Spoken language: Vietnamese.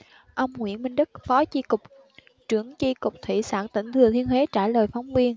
ông nguyễn minh đức phó chi cục trưởng chi cục thủy sản tỉnh thừa thiên huế trả lời phóng viên